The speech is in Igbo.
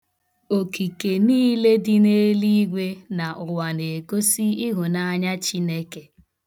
Okike niile dị n' eliigwe na ụwa na-egosi ịhụnanya Chineke.